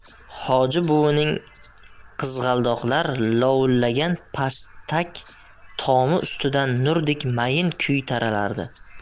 hoji buvining qizg'aldoqlar lovullagan pastak tomi ustidan nurdek mayin kuy taralardi